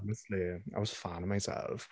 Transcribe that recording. Honestly I was a fanning myself.